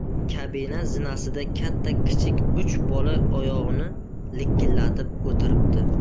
kabina zinasida katta kichik uch bola oyog'ini likillatib o'tiribdi